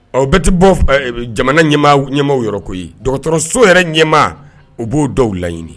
Ɔ bɛ tɛ bɔ jamana ɲɛmaw yɔrɔ ko dɔgɔtɔrɔso yɛrɛ ɲɛmaa o b'o dɔw laɲini